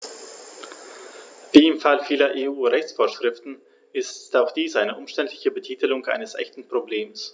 Wie im Fall vieler EU-Rechtsvorschriften ist auch dies eine umständliche Betitelung eines echten Problems.